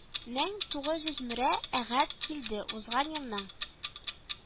Мең тугыз йөз мөрә әгать килде, узган елның